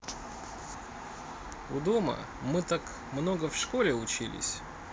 у дома мы так много в школе учились